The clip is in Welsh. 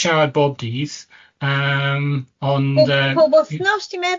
siarad bob dydd, yym, ond... Pob...yy... Pob wythnos ti'n meddwl?